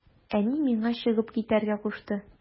Әни миңа чыгып китәргә кушты.